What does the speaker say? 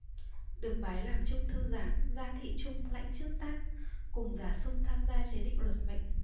được bái làm trung thư giám gia thị trung lãnh trước tác cùng giả sung tham gia chế định luật lệnh